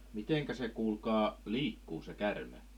miten se kuulkaa liikkuu se käärme